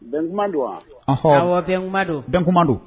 Bɛnkuma don wa? Ɔnhɔn, Awɔ bɛnkuma don. Bɛnkuma don.